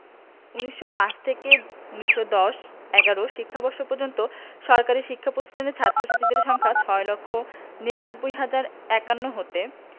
১৯০৫ থেকে ১৯১০ ১১ শিক্ষাবর্ষ পর্যন্ত সরকারি শিক্ষা প্রতিষ্ঠানের ছাত্র ছাত্রীদের সংখ্যা ৬ লক্ষ ৯৯ হাজার ৫১ হতে